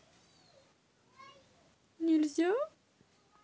нельзя